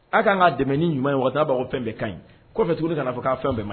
A k ka kanan ka dɛmɛ ni ɲuman in wa taa bbagaw fɛn bɛ ka ɲi kɔfɛ tuguni nanaa fɔ'a fɛn bɛɛ ma